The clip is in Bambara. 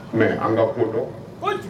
Mɛ an ka kodɔn